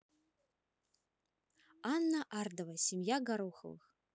анна ардова семья гороховых